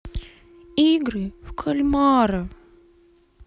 игры в кальмара